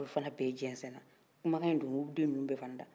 olu fana bɛɛ jɛnsɛnan kuma kan in dona den nunun bɛɛ fana da